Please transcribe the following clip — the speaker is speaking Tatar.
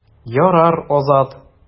Ярар, Азат.